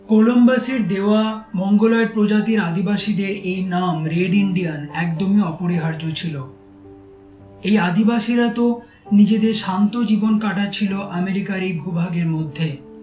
কলম্বাসের দেওয়া মঙ্গোলয়েড প্রজাতির আদিবাসীদের এই নাম রেড ইন্ডিয়ান একদমই অপরিহার্য ছিল এই আদিবাসীরা তো নিজেদের শান্ত জীবন কাটাচ্ছিল এমেরিকার এই ভূভাগের মধ্যে